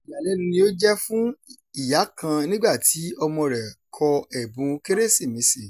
Ìyàlẹ́nu ni ó jẹ́ fún ìyá kan nígbàtí ọmọọ rẹ̀ kọ ẹ̀bùn Kérésìmesì.